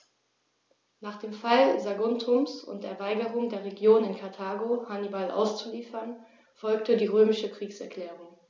Nach dem Fall Saguntums und der Weigerung der Regierung in Karthago, Hannibal auszuliefern, folgte die römische Kriegserklärung.